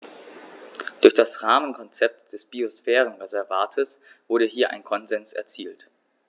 Durch das Rahmenkonzept des Biosphärenreservates wurde hier ein Konsens erzielt.